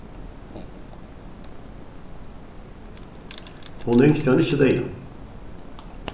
hon ynskti hann ikki deyðan